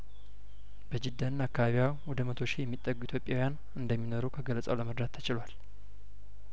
በጅዳና አካባቢዋ ወደ መቶ ሺህ የሚጠጉ ኢትዮጵያውያን እንደሚኖሩ ከገለጻው ለመረዳት ተችሏል